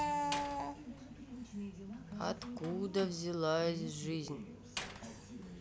откуда взялась жизнь